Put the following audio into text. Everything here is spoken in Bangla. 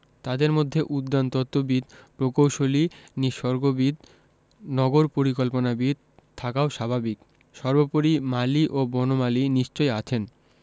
তাদের মধ্যে উদ্যানতত্ত্ববিদ প্রকৌশলী নিসর্গবিদ নগর পরিকল্পনাবিদ থাকাও স্বাভাবিক সর্বোপরি মালি ও বনমালী নিশ্চয়ই আছেন